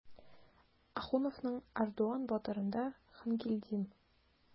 Ахуновның "Ардуан батыр"ында Хангилдин.